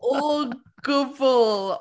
O gwbl!